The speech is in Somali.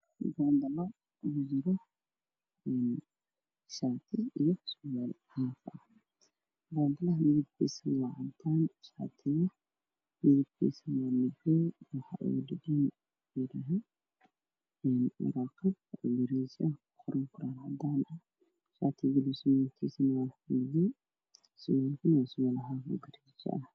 Waa boonbalo waxaa kujiro shaati iyo surwaal haaf ah. Boonbaluhu waa cadaan, shaatigu waa madow waxaa kudhagan waraqad oo gariija waxaa kuqoran qoraal cadaan ah, galuustiisu waa madow, surwaalku waa haaf oo futo jeex ah.